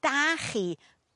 da chi